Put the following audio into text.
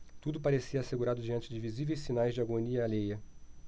tudo parecia assegurado diante de visíveis sinais de agonia alheia